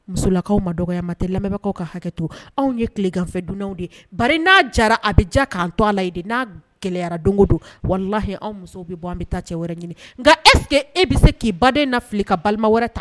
Musolakaw ma dɔgɔya ma tɛ, lamɛnbagaw aw ka hakɛ to. Anw ye tileganfɛ dunanw de. Bari n'a jara a bɛ ja k'an to a la yen de. N'a gɛlɛyara don don, walahi anw musow bɛ bɔ. An bɛ taa cɛ wɛrɛ ɲini nka est ce que e bɛ se k'i baden la fili ka balima wɛrɛ ta?